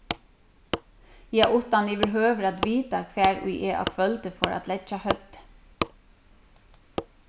ja uttan yvirhøvur at vita hvar ið eg á kvøldi fór at leggja høvdið